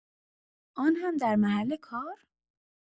آن هم در محل کار!